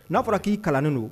N'a fɔra k'i kalannen don